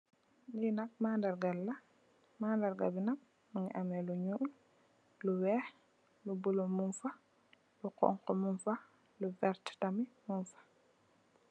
Lee nak manargal la manarga be nak muge ameh lu nuul lu weex lu bulo mugfa lu xonxo mugfa lu verte tamin mugfa.